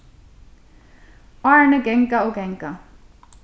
árini ganga og ganga